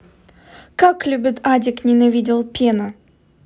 как любит адик ненавидел пена